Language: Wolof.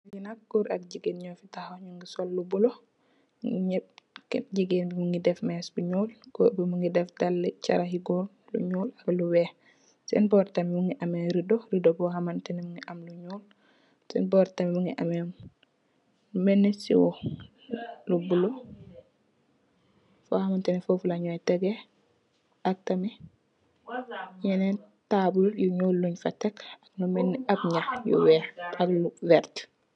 Fi Nak goor ak jigeen nyo fi tahaw nyu ngi sol lu bulo jigeen bi mungi def mess bu nyool goor bi mungi sol dali charahi goor yu nyool ak yu weex Sen bor tamit mungi ameh rido rido Bo hamantehneh mungi am lu nyool Sen boor tamit mungi ameh melni siyo fohamanteh neh fofu lenyi tegeh yenen tabul yu nyool yunj fa tek lu melni ab lu weex ak lu wert